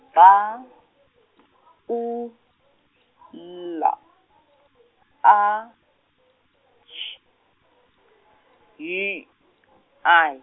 ba U la A X hi I.